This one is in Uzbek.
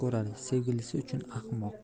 ko'radi sevgilisi uchun ahmoq